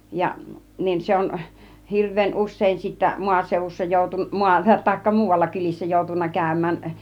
ja niin se on hirveän usein sitten maaseudussa -- tai muualla kylissä joutunut käymään